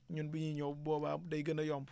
ñun bu ñuy ñëw boobaa day gën a yomb